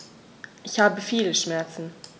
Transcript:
Ich habe viele Schmerzen.